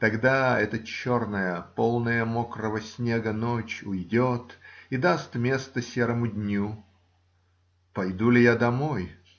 Тогда эта черная, полная мокрого снега ночь уйдет и даст место серому дню. Пойду ли я домой?